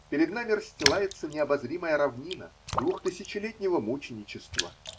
Перед нами расстилается необозримая равнина двухтысячелетнего мученичества